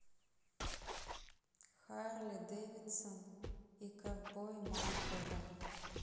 харли дэвидсон и ковбой мальборо